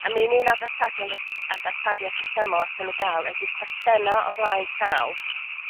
a mi ni nath asadiol rhesemol allan n'w ga'l ydi'r cwestyna o flaen llaw